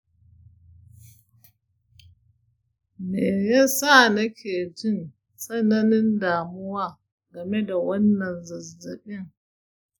me yasa nake jin tsananin damuwa game da wannan zazzabin?